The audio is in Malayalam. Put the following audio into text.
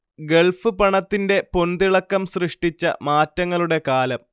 ഗൾഫ് പണത്തിന്റെ പൊൻതിളക്കം സൃഷ്ടിച്ച മാറ്റങ്ങളുടെ കാലം